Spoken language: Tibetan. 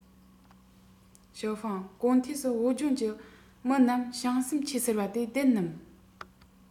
ཞའོ ཧྥུང གོ ཐོས སུ བོད ལྗོངས ཀྱི མི རྣམས བྱང སེམས ཆེ ཟེར བ དེ བདེན ནམ